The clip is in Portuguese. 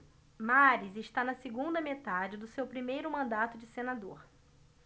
mariz está na segunda metade do seu primeiro mandato de senador